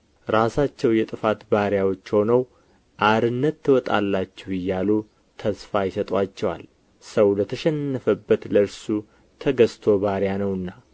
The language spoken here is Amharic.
ራሳቸው የጥፋት ባሪያዎች ሆነው አርነት ትወጣላችሁ እያሉ ተስፋ ይሰጡአቸዋል ሰው ለተሸነፈበት ለእርሱ ተገዝቶ ባሪያ ነውና